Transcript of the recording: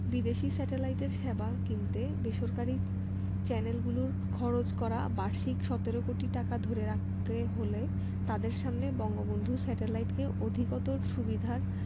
বিদেশি স্যাটেলাইটের সেবা কিনতে বেসরকারি চ্যানেলগুলোর খরচ করা বার্ষিক ১৭ কোটি টাকা ধরে রাখতে হলে তাদের সামনে বঙ্গবন্ধু স্যাটেলাইটকে অধিকতর সুবিধার